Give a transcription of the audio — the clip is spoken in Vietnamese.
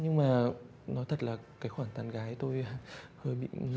nhưng mà nói thật là cái khoản tán gái tôi ơ hơi bị ngu